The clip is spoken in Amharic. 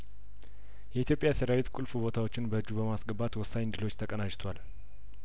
የኢትዮጵያ ሰራዊት ቁልፍ ቦታዎች በእጁ በማስገባት ወሳኝ ድሎች ተቀናጅቷል